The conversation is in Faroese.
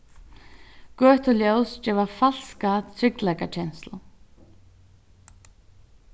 gøtuljós geva falska tryggleikakenslu